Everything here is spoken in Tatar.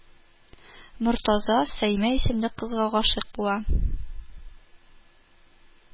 Мортаза Саимә исемле кызга гашыйк була